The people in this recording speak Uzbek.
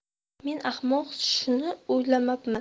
men ahmoq shuni o'ylamabman